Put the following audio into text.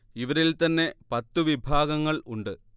ഇവരിൽ തന്നെ പത്തു വിഭാഗങ്ങൾ ഉണ്ട്